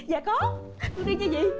dạ có con đi nhe dì